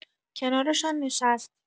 کنارشان نشست.